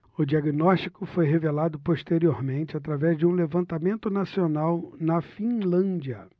o diagnóstico foi revelado posteriormente através de um levantamento nacional na finlândia